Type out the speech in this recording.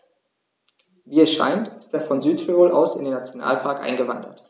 Wie es scheint, ist er von Südtirol aus in den Nationalpark eingewandert.